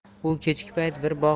u kechki payt bir bog'